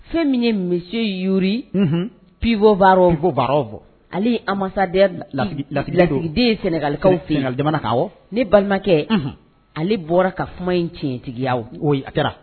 Fɛn min ye misi y' bibobaabaaw bɔ ale an madon den sengalikaw fili na jamana kan wa ne balimakɛ ale bɔra ka kuma in tiɲɛtigiya o a tora